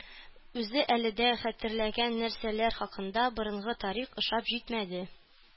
Үзе әле дә хәтерләгән нәрсәләр хакында борынгы тарих ошап җитмәде